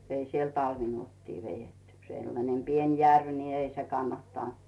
ei siellä talvinuottia vedetty sellainen pieni järvi niin ei se kannattanut